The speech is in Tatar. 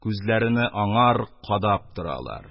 Күзләрене аңар кадап торалар.